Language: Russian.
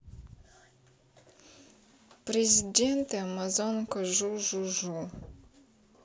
президент и амазонка жу жу жу